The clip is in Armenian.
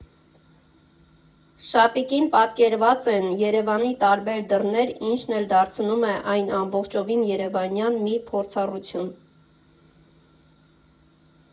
Շապիկին պատկերված են Երևանի տարբեր դռներ, ինչն էլ դարձնում է այն ամբողջովին երևանյան մի փորձառություն։